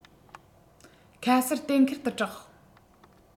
ཁ གསལ གཏན འཁེལ ཏུ གྲགས